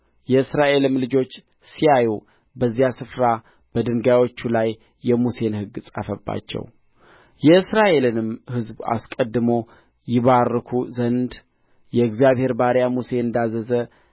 የእስራኤልም ልጆች ሲያዩ በዚያ ስፍራ በድንጋዮቹ ላይ የሙሴን ሕግ ጻፈባቸው የእስራኤልንም ሕዝብ አስቀድሞ ይባርኩ ዘንድ የእግዚአብሔር ባሪያ ሙሴ እንዳዘዘ